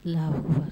N